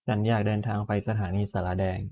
ฉันอยากเดินทางไปสถานีศาลาแดง